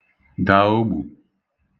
dà ogbù